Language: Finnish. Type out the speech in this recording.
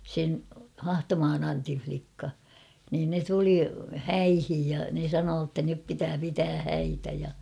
sen Hahtomaan Antin likka niin ne tuli häihin ja ne sanoi että nyt pitää pitää häitä ja